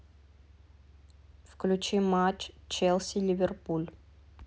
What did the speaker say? включи матч челси ливерпуль